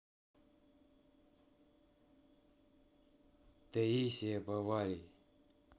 таисия повалий